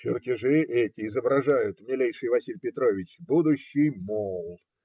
- Чертежи эти изображают, милейший Василий Петрович, будущий мол.